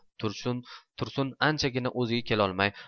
tursun anchagacha o'ziga kelolmay